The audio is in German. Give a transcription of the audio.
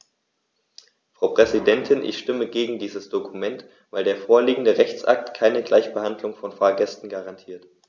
Frau Präsidentin, ich stimme gegen dieses Dokument, weil der vorliegende Rechtsakt keine Gleichbehandlung von Fahrgästen garantiert.